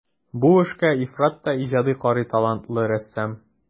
Бу эшкә ифрат та иҗади карый талантлы рәссам.